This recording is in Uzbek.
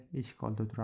eshik oldida turardi